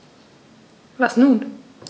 Was nun?